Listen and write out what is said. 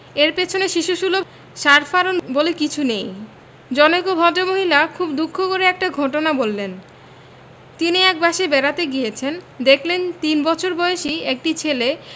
এর পেছনে শিশুসুলভ সার ফারন বলে কিছু নেই জনৈক ভদ্রমহিলা খুব দুঃখ করে একটা ঘটনা বললেন তিনি এক বাসায় বেড়াতে গিয়েছেন দেখলেন তিন বছর বয়েসী একটি ছেলে